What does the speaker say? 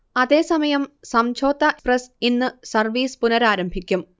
അതേസമയം സംഝോത എക്സ്പ്രസ്സ് ഇന്ന് സർവീസ് പുനരാരംഭിക്കും